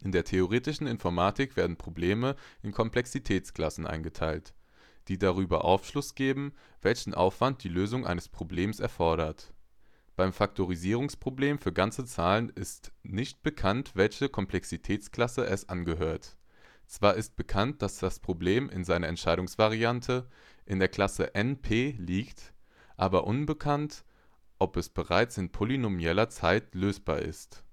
der theoretischen Informatik werden Probleme in Komplexitätsklassen eingeteilt, die darüber Aufschluss geben, welchen Aufwand die Lösung eines Problems erfordert. Beim Faktorisierungsproblem für ganze Zahlen ist nicht bekannt, welcher Komplexitätsklasse es angehört: Zwar ist bekannt, dass das Problem (in seiner Entscheidungsvariante) in der Klasse NP liegt, aber unbekannt, ob es bereits in polynomieller Zeit lösbar ist